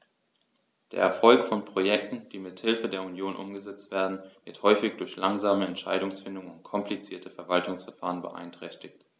Der Erfolg von Projekten, die mit Hilfe der Union umgesetzt werden, wird häufig durch langsame Entscheidungsfindung und komplizierte Verwaltungsverfahren beeinträchtigt.